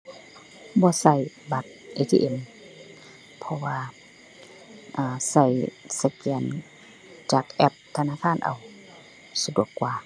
บ่ใช้บัตร ATM เพราะว่า อ่า ใช้สแกนจากแอปธนาคารเอา สะดวกกว่า